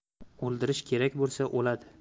o'ldirish kerak bo'lsa o'ladi